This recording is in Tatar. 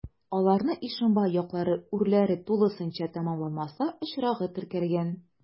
Аларны Ишембай яклары урләре тулысынча тәмамланмаса очрагы теркәлгән.